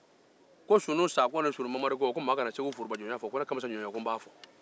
ko sunu sakɔ ni sunu mamari kɔ ko maa kana segou forobjɔnya fɔ ko ne kamisa